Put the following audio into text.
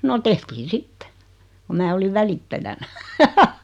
no tehtiin sitten kun minä olin välittäjänä